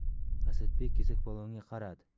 asadbek kesakpolvonga qaradi